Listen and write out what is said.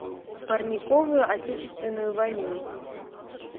парниковую отечественную войну